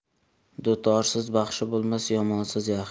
dutorsiz baxshi bo'lmas yomonsiz yaxshi